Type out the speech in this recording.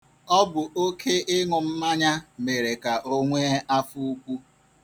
Ọ bụ oke ịṅụ mmanya mere ka o nwee afọ ukwu.